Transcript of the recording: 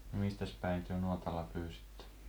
no mistäs päin te nuotalla pyysitte